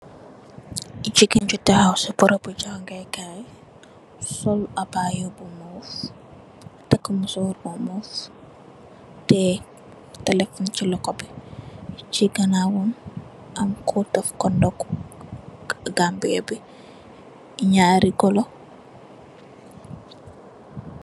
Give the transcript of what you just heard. Jigéen ju tahaw ci bërubu jàngeekaay, sol abaya bu move, takk musóor bu move, tè telephone chi loho bi. Chi ganaawam am ku def kon dè ku Gambia bi, naari golo.